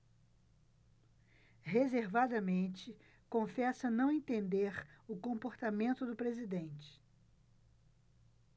reservadamente confessa não entender o comportamento do presidente